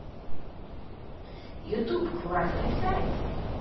youtube классный сайт